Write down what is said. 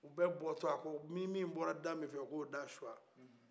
u bɛɛ bɔ tɔ a ko ni min bɔrɔ da min fɛ o ka o dasɔgɔ